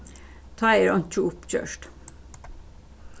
tá er einki uppgjørt